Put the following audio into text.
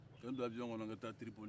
k'an don awiyɔn kɔnɔ ka taa tiripoli